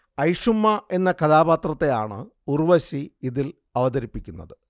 ഐഷുമ്മ എന്ന കഥാപാത്രത്തെയാണ് ഉർവശി ഇതിൽ അവതരിപ്പിക്കുന്നത്